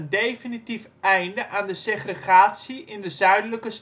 definitief einde aan de segregatie in de Zuidelijke